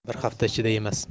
bir hafta ichida emas